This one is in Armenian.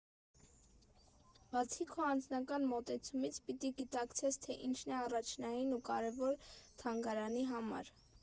Բացի քո անձնական մոտեցումից, պիտի գիտակցես, թե ինչն է առաջնային ու կարևոր թանգարանի համար։